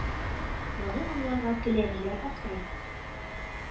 Моны аңларга теләмиләр, ахры.